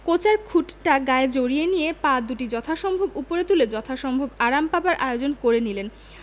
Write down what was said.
কোঁচার খুঁটটা গায়ে জড়িয়ে নিয়ে পা দুটি যথাসম্ভব উপরে তুলে যথাসম্ভব আরাম পাবার আয়োজন করে নিলেন